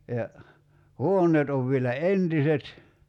ja huoneet on vielä entiset